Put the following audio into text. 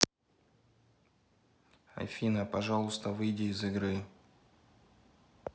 афина пожалуйста выйди из игры